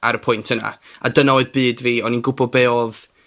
...ar y pwynt yna, a dyna oedd byd fi, o'n i'n gwbo be' odd